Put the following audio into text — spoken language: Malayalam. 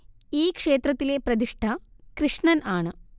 ഈ ക്ഷേത്രത്തിലെ പ്രതിഷ്ഠ കൃഷ്ണൻ ആണ്